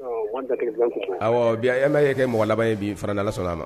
Bi a ye kɛ mɔgɔ laban ye bi faradala sɔrɔ a ma